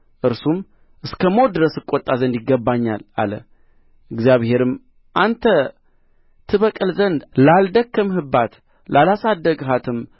እርሱም እስከ ሞት ድረስ እቈጣ ዘንድ ይገባኛል አለ እግዚአብሔርም አንተ ትበቅል ዘንድ ላልደከምህባት ላላሳደግሃትም በአንድ ሌሊት ለበቀለች